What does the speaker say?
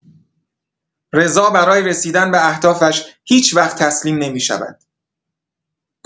رضا برای رسیدن به اهدافش هیچ‌وقت تسلیم نمی‌شود.